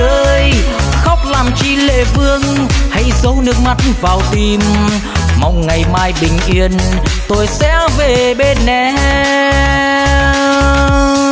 khóc làm chi lệ vương hãy dấu nước mắt vào tim mong ngày mai bình yên tôi sẽ về bên em